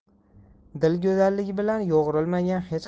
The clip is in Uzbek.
dil go'zalligi bilan yo'g'rilmagan hech